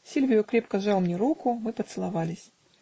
Сильвио крепко сжал мне руку; мы поцеловались.